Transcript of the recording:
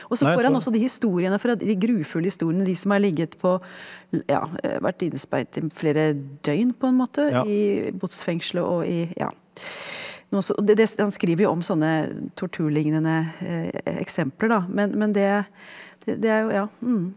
også får han også de historiene fra de de grufulle historiene, de som har ligget på ja vært innsperret i flere døgn på en måte i botsfengselet og i ja også det det han skriver jo om sånne torturlignende eksempler da, men men det det er jo ja ja.